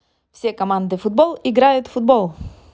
все команды футбол играют в футбол